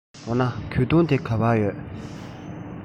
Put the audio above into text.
འོ ན ངའི གོས ཐུང དེ ག པར ཡོད